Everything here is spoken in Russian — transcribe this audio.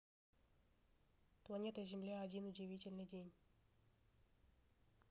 планета земля один удивительный день